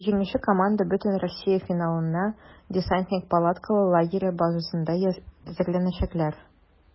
Җиңүче команда бөтенроссия финалына "Десантник" палаткалы лагере базасында әзерләнәчәк.